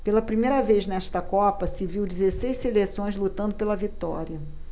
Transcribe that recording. pela primeira vez nesta copa se viu dezesseis seleções lutando pela vitória